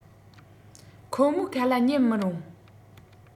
ཁོ མོའི ཁ ལ ཉན མི རུང